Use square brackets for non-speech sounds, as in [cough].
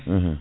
[hesitation] [hesitation]